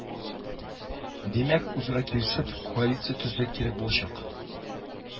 Димәк, үзара килешеп, коалиция төзергә кирәк булачак